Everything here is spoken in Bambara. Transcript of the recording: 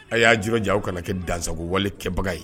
A y'a jira ja u kana kɛ dansago wale kɛbaga ye